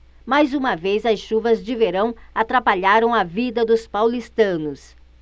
mais uma vez as chuvas de verão atrapalharam a vida dos paulistanos